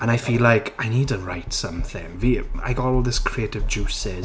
And I feel like I need to write something. Fi- *I got all this creative juices...